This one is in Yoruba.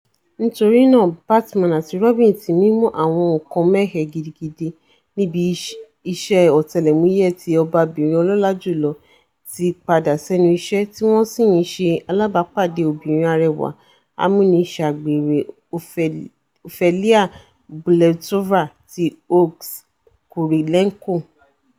Nítorínáà Batman àti Robin ti mimu àwọn nǹkan mẹ̀hẹ gidigidi níbi Iṣ̵ẹ́ Ọ̀tẹlẹ̀múyẹ̵́ ti Ọbabìnrin Ọlọ́lá Jùlọ ti padà sẹnu iṣẹ́, tíwọn sì ńṣe aláàbápàdé obìnrin àrẹwà amúniṣagbère Ophelia Bulletova ti Olgs Kurylenko.